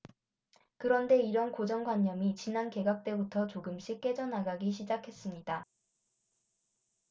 그런데 이런 고정관념이 지난 개각 때부터 조금씩 깨져나가기 시작했습니다